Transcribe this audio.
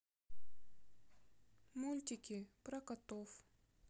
мультики про котов